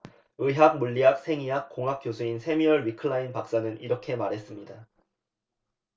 의학 물리학 생의학 공학 교수인 새뮤얼 위클라인 박사는 이렇게 말했습니다